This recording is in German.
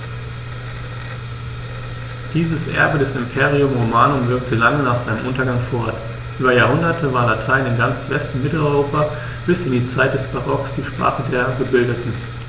Dieses Erbe des Imperium Romanum wirkte lange nach seinem Untergang fort: Über Jahrhunderte war Latein in ganz West- und Mitteleuropa bis in die Zeit des Barock die Sprache der Gebildeten.